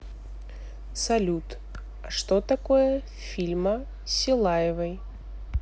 салют а что такое фильма силаевой